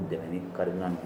Dɛmɛ kari naani